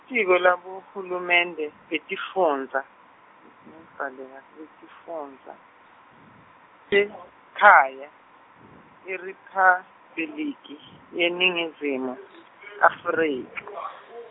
Litiko laboHulumende, beTifundza, beTifundza, eKhaya, IRiphabliki, yeNingizimu , Afrika.